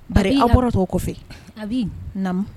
Bari a bɔra tɔw kɔfɛ, Abi, naamu